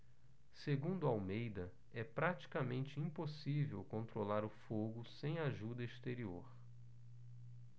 segundo almeida é praticamente impossível controlar o fogo sem ajuda exterior